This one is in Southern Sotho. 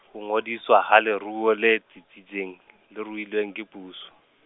ho ngodiswa ha leruo le tsitsitseng, le ruilweng ke puso.